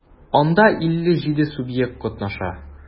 Анда 57 субъект катнаша.